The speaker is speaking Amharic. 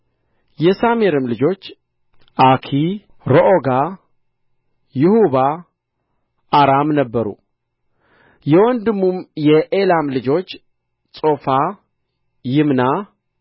የሳሜርም ልጆች አኪ ሮኦጋ ይሑባ አራም ነበሩ የወንድሙም የኤላም ልጆች ጾፋ ይምና